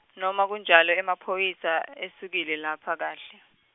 noma kunjalo emaphoyisa, esukile lapha kahle.